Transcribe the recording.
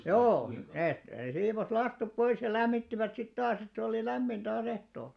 joo ne ne siivosi lastut pois ja lämmittivät sitten taas että oli lämmin taas ehtoolla